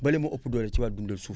bële moo ëpp doole ci wàllu dundal suuf